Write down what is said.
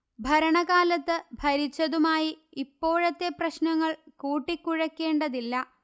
ഭരണകാലത്ത് ഭരിച്ചതുമായി ഇപ്പോഴത്തെ പ്രശ്നങ്ങൾ കൂട്ടിക്കുഴയ്ക്കേണ്ടതില്ല